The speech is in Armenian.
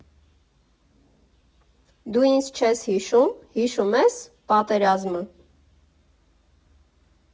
Դու ինձ չե՞ս հիշում, հիշու՞մ ես, պատերազմը…